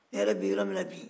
ne yɛrɛ bɛ yɔrɔ min na bi